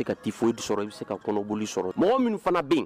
I bɛ se ka typhoïde sɔrɔ i bɛ se ka kɔnɔboli sɔrɔ, mɔgɔ minnu fana bɛ yen